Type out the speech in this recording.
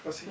Passy